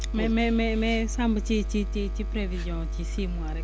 mais mais mais Samb ci ci ci ci prévision ci six mois rek